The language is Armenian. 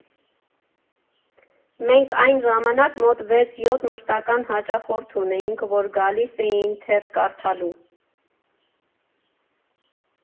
Մենք այն ժամանակ մոտ վեց֊յոթ մշտական հաճախորդ ունեինք, որ գալիս էին թերթ կարդալու։